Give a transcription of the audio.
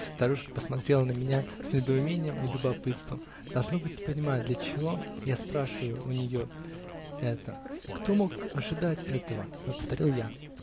Старушка посмотрела на меня с недоумением и любопытством, должно быть не понимая, для чего я спрашиваю у нее это. -- Кто мог ожидать этого? -- повторил я.